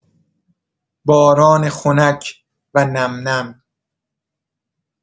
باران خنک و نم‌نم